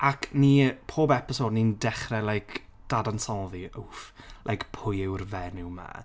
Ac ni pob episode ni'n dechrau like dadansoddi wff like "pwy yw'r fenyw 'ma?"